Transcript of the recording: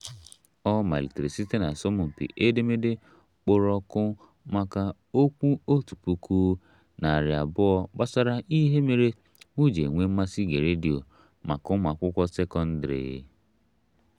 Ọ malitere site n'asọmpi edemede kpọrọ oku maka okwu 1,200 gbasara "ihe mere m ji enwe mmasị ige redio" maka ụmụ akwụkwọ sekọndrị.